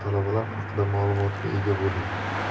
talablar haqida ma'lumotga ega bo'ling